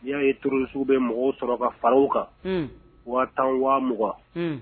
I y'a ye turusiw bɛ mɔgɔw sɔrɔ ka faraw kan waa tan waa mɔgɔ